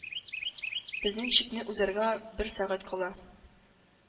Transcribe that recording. Безнең чикне узарга бер сәгать кала